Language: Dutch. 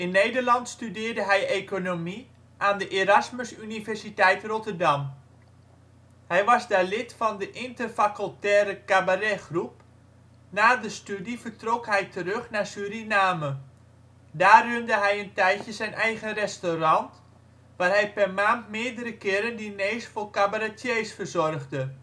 Nederland studeerde hij economie aan de Erasmus Universiteit Rotterdam. Hij was daar lid van de interfacultaire cabaretgroep. Na de studie vertrok hij terug naar Suriname. Daar runde hij een tijdje zijn eigen restaurant, waar hij per maand meerdere keren diners voor cabaretiers verzorgde